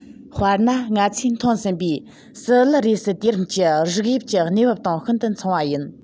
དཔེར ན ང ཚོས མཐོང ཟིན པའི སི ལུ རེ སི དུས རིམ གྱི རིགས དབྱིབས ཀྱི གནས བབ དང ཤིན ཏུ མཚུངས པ ཡིན